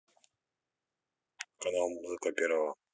канал музыка первого